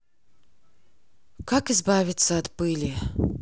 как избавиться от пыли